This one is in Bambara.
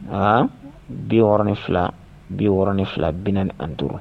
Anhan 62 62 45